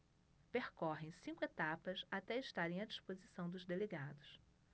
percorrem cinco etapas até estarem à disposição dos delegados